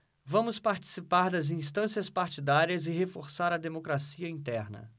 vamos participar das instâncias partidárias e reforçar a democracia interna